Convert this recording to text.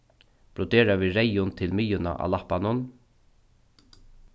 brodera við reyðum til miðjuna á lappanum